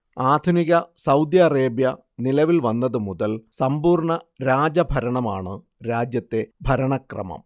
ആധുനിക Saudi Arabia നിലവിൽ വന്നത് മുതൽ സമ്പൂർണ രാജഭരണമാണ് രാജ്യത്തെ ഭരണക്രമം